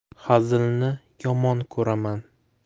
hazilni yomon ko'raman